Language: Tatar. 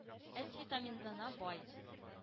Эс витаминына бай.